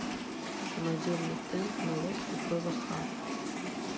самодельный тент на лодку пвх